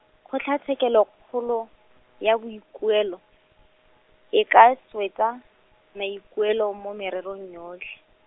Kgotlatshekelokgolo, ya Boikuelo, e ka swetsa, maikuelo mo mererong yotlhe.